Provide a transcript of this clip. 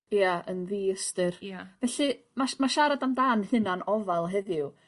Ia yn ddiystyr. Ia. ...felly ma' sh- ma' siarad amdan hunan ofal heddiw